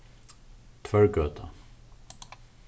tvørgøta